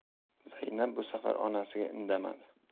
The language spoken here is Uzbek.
zaynab bu safar onasiga indamadi